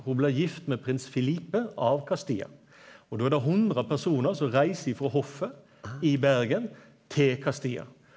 ho blei gift med prins Phillipe av Castilla og då er det 100 personar som reiser ifrå hoffet i Bergen til Castilla.